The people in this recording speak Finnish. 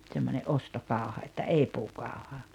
semmoinen ostokauha että ei puukauha